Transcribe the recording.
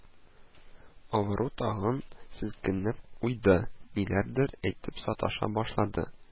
Авыру тагы селкенеп уйды, ниләрдер әйтеп саташа башлады